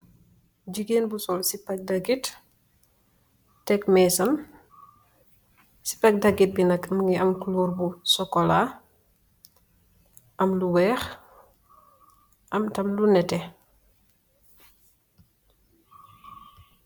Jigeen bu sul sipak tagit. sipak tagit mboba bi mungi am lu chocola am lu wekh am tamit lu neteh